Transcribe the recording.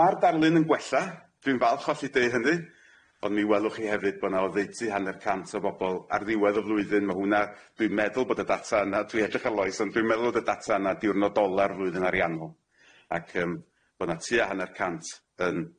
Ma'r darlun yn gwella dwi'n falch o allu deud hynny ond mi welwch chi hefyd bo' 'na oddeutu hanner cant o bobol ar ddiwedd y flwyddyn, ma' hwnna dwi'n meddwl bod y data yna dwi edrych ar Lois ond dwi'n meddwl o'dd y data yna diwrnod ola'r flwyddyn ariannol ac yym bo 'na tua hanner cant yn